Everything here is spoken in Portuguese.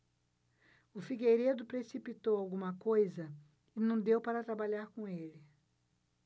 o figueiredo precipitou alguma coisa e não deu para trabalhar com ele